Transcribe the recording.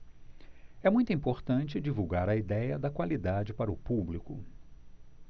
é muito importante divulgar a idéia da qualidade para o público